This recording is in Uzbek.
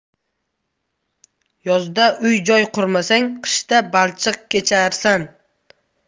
yozda uy joy qurmasang qishda balchiq kecharsan